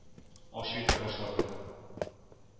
Ашый да башлады.